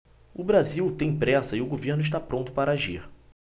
o brasil tem pressa e o governo está pronto para agir